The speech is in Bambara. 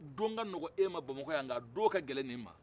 don ka nɔgɔn e ma bamako yan nka don ka gɛlɛn nin ma